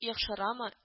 Яхшырамы